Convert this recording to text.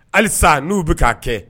Halisa n'u bɛ ka kɛ